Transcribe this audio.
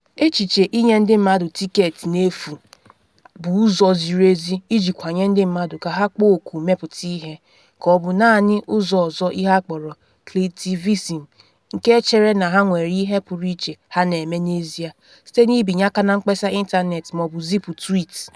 Echiche inye ndị mmadụ tịketị n’efu, a bụ ụzọ ziri ezi iji kwanye ndị mmadụ ka ha kpọọ oku mmepụta ihe, ka ọ bụ naanị ụzọ ọzọ ihe akpọrọ “kliktivizm” - ndị chere na ha nwere ihe pụrụ iche ha na-eme n’ezie site na ibinye aka na mkpesa ịntanetị ma ọ bụ zipu tweet?